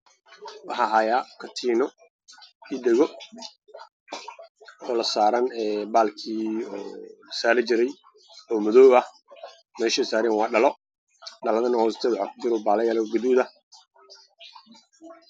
Waa boonbo midabkiisii yahay madow